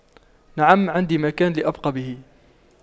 نعم عندي مكان لأبقى به